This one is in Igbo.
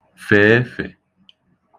fè efè